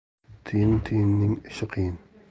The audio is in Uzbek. tiyin tiyinning ishi qiyin